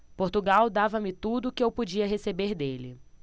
portugal dava-me tudo o que eu podia receber dele